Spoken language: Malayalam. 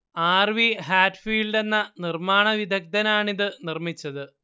ആർ വി ഹാറ്റ്ഫീൽഡ് എന്ന നിർമ്മാണ വിദഗ്ദ്ധനാണിത് നിർമ്മിച്ചത്